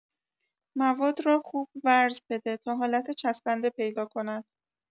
مواد را خوب ورز بده تا حالت چسبنده پیدا کند.